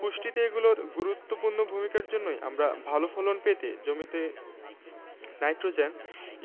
পুষ্টিতে এগুলোর গুরুত্বপূর্ণ ভূমিকার জন্যই আমরা ভালো ফলন পেতে জমিতে নাইট্রোজেন